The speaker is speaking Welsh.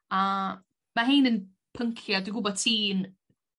a ma' rhein yn pyncia dwi gwbod ti'n